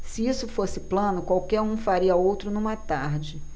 se isso fosse plano qualquer um faria outro numa tarde